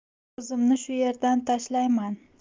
o'zimni shu yerdan tashlayman